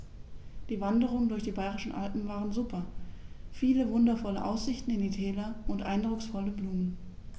Die Wanderungen durch die Bayerischen Alpen waren super. Viele wundervolle Aussichten in die Täler und eindrucksvolle Blumen.